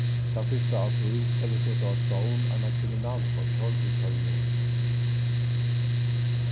tann fyrsta apríl skal eg seta á stovn eina kriminalforsorg í føroyum